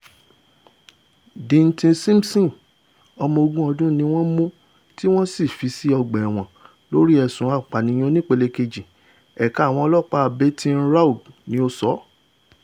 Dyteon Simpson, ọmọ ogún ọdún, ní wọ́n mú tí wọ́n sì fi sí ọgbà ẹ̀wọ̀n lórí ẹ̀sùn apànìyan onípele kejì, Ẹ̀ka Àwọn Ọlọ́ọ̀pá Baton Rouge ni o sọ.